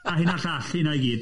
A hyn a'r llall hynna i gyd.